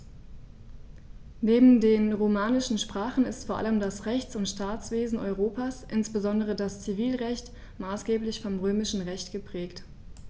Neben den romanischen Sprachen ist vor allem das Rechts- und Staatswesen Europas, insbesondere das Zivilrecht, maßgeblich vom Römischen Recht geprägt.